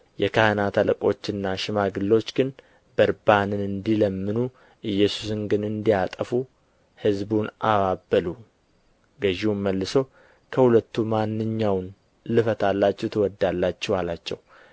የካህናት አለቆችና ሽማግሎች ግን በርባንን እንዲለምኑ ኢየሱስን ግን እንዲያጠፉ ሕዝቡን አባበሉ ገዢውም መልሶ ከሁለቱ ማንኛውን ልፈታላችሁ ትወዳላችሁ አላቸው